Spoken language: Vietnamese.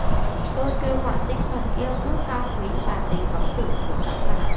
tôi kêu gọi tinh thần yêu nước cao quý và tình mẫu tử của các bà